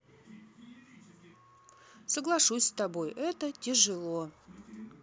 соглашусь с тобой это тяжело